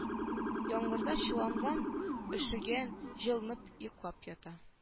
Яңгырда чыланган өшегән җылынып йоклап ята